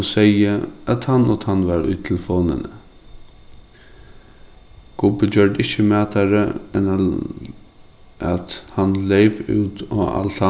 og segði at tann og tann var í telefonini gubbi gjørdi ikki mætari at hann leyp út á altanina og segði við